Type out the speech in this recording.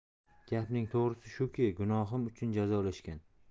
gapning to'g'risi shuki gunohim uchun jazolashgan